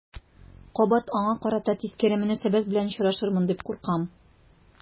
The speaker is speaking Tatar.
Кабат аңа карата тискәре мөнәсәбәт белән очрашырмын дип куркам.